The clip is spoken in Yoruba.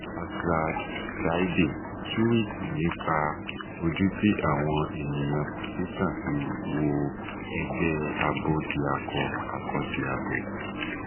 Asad Zaidi túwíìtì nípa ojú tí àwọn ènìyàn Pakistan fi wo ẹgbẹ́ Abódiakọ-akọ́diabo: